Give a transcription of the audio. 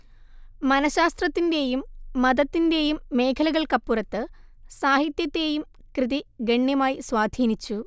മനഃശാസ്ത്രത്തിന്റേയും മതത്തിന്റേയും മേഖലകൾക്കപ്പുറത്ത് സാഹിത്യത്തേയും കൃതി ഗണ്യമായി സ്വാധീനിച്ചു